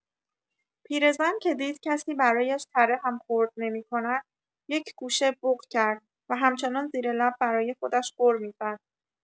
پیر زن که دید کسی برایش تره هم خورد نمی‌کند یک‌گوشه بق کرد و همچنان زیر لب برای خودش غر می‌زد.